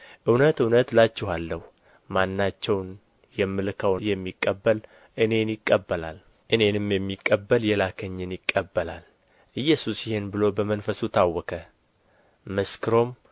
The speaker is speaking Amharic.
እውነት እውነት እላችኋለሁ ማናቸውን የምልከውን የሚቀበል እኔን ይቀበላል እኔንም የሚቀበል የላከኝን ይቀበላል ኢየሱስ ይህን ብሎ በመንፈሱ ታወከ መስክሮም